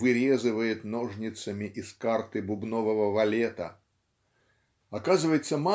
вырезывает ножницами из карты бубнового валета". Оказывается